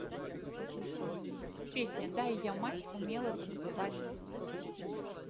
песня дай я мать умела танцевать